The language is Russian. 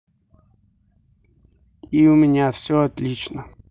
и у меня все отлично